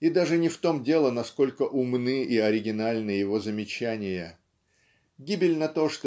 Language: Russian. И даже не в том дело, насколько умны и оригинальны его замечания, гибельно то